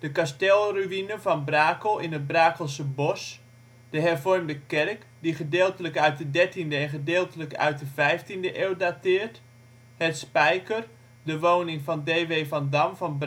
Kasteelruïne van Brakel in het Brakelse Bos de hervormde kerk, die gedeeltelijk uit de 13e en gedeeltelijk uit de 15de eeuw dateert. Het Spijker, de woning van D.W. van Dam van Brakel